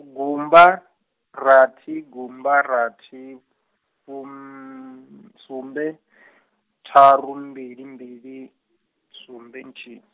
gumba, rathi gumba rathi, fu sumbe, ṱharu mbili mbili, sumbe nthihi.